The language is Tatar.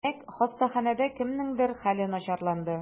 Димәк, хастаханәдә кемнеңдер хәле начарланды?